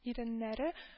Иреннәре